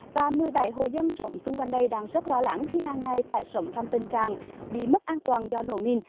và mười bảy hộ dân sống xung quanh đây đang rất lo lắng khi hằng ngày phải sống trong tình trạng bị mất an toàn do nổ mìn